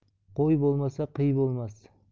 qo'y bo'lmasa qiy bo'lmas